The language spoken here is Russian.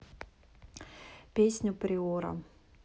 песня приора